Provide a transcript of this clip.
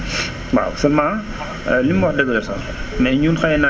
waaw seulement lim ma wax dëgg la sax mais ñun xëy na